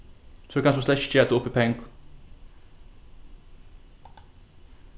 so kanst tú slett ikki gera tað upp í pengum